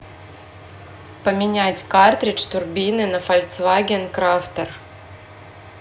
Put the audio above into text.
поменять картридж турбины на фольксваген крафтер